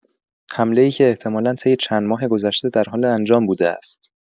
حمله‌ای که احتمالا طی چند ماه گذشته در حال انجام بوده است.